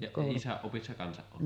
ja isän opissa kanssa ollut